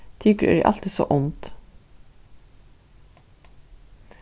tykur eru altíð so ónd